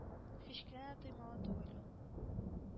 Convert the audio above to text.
Ич кенә дә тыймалы түгел.